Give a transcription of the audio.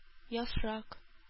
Яфрак